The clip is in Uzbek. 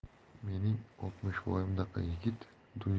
mening oltmishvoyimdaka yigit